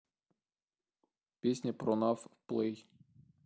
песня про фнаф плей